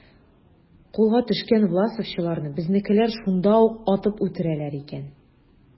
Кулга төшкән власовчыларны безнекеләр шунда ук атып үтерәләр икән.